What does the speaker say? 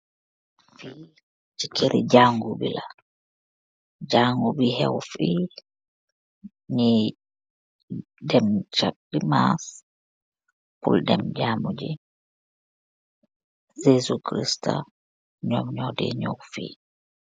Fii chi kerri jaangu bi la, jaangu bu hew fii, njii dem cha dimanche pur dem jaamou gii jesu christa, njom njur daey njow fii.